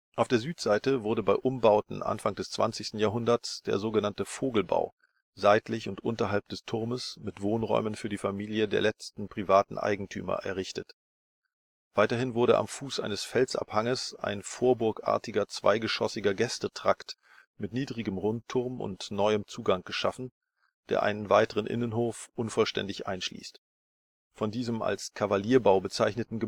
Auf der Südseite wurde bei Umbauten Anfang des 20. Jahrhunderts der sogenannte „ Vogelbau “seitlich und unterhalb des Turmes mit Wohnräumen für die Familie der letzten privaten Eigentümer errichtet. Weiterhin wurde am Fuße eines Felsabhanges ein vorburgartiger zweigeschossiger Gästetrakt mit niedrigem Rundturm und neuem Zugang geschaffen, der einen weiteren Innenhof unvollständig einschließt. Von diesem als „ Cavallierbau “bezeichneten